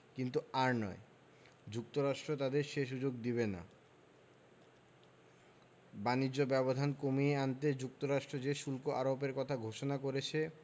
কিন্তু আর নয় যুক্তরাষ্ট্র তাদের সে সুযোগ দেবে না বাণিজ্য ব্যবধান কমিয়ে আনতে যুক্তরাষ্ট্র যে শুল্ক আরোপের কথা ঘোষণা করেছে